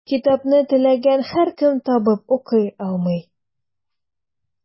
Китапны теләгән һәркем табып укый алмый.